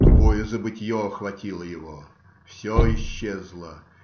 Тупое забытье охватило его все исчезло